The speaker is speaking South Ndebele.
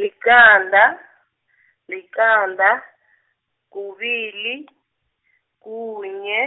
liqanda, liqanda, kubili , kunye,